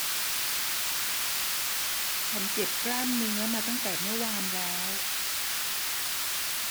ฉันเจ็บกล้ามเนื้อมาตั้งแต่เมื่อวานแล้ว